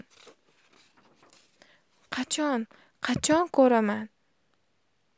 qachon qachon ko'raman